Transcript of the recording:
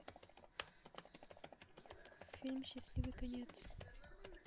фильм счастливый конец